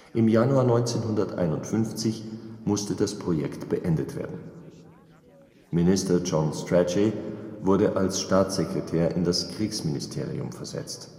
Im Januar 1951 musste das Projekt beendet werden. Minister John Strachey wurde als Staatssekretär in das Kriegsministerium versetzt